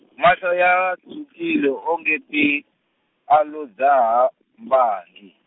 mahlo ya tshwukile o nge ti, a lo dzaha, mbangi.